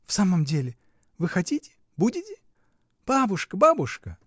— В самом деле: вы хотите, будете? Бабушка, бабушка!